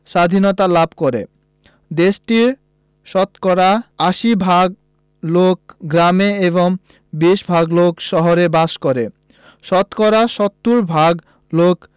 সাধীনতা লাভ করে দেশটির শতকরা ৮০ ভাগ লোক গ্রামে এবং ২০ ভাগ লোক শহরে বাস করে শতকরা ৭০ ভাগ লোক